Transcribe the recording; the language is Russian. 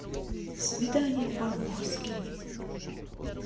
свидание барбоскина